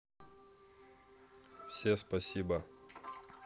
все спасибо